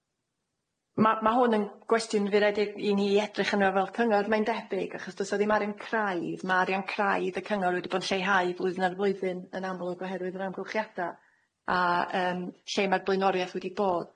Ma' ma' hwn yn gwestiwn fu raid i ni edrych arno fel cyngor mae'n debyg achos do's a ddim arian craidd ma' arian craidd y cyngor wedi bo' yn lleihau flwyddyn ar flwyddyn yn amlwg oherwydd yr amgylchiada a yym lle ma'r blaenoriaeth wedi bod.